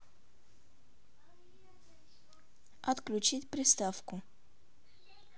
отключить приставку